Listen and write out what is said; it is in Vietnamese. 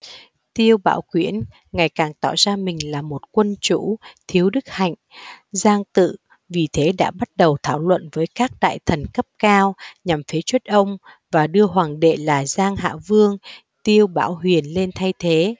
tiêu bảo quyển ngày càng tỏ ra mình là một quân chủ thiếu đức hạnh giang tự vì thế đã bắt đầu thảo luận với các đại thần cấp cao nhằm phế truất ông và đưa hoàng đệ là giang hạ vương tiêu bảo huyền lên thay thế